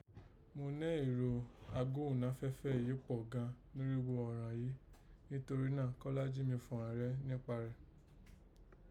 Mo nẹ́ ẹ̀rọ agbóhùnnáfẹ́fẹ́ yìí kpọ̀ gan norígho ọ̀ràn yìí, nítorí náà Kọ́lá jí mí fọ̀ ghan rẹ́ níkpa rẹ̀